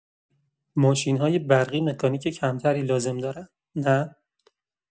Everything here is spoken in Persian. ماشین‌های برقی مکانیک کم‌تری لازم دارن، نه؟